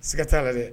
Siga t'a la dɛ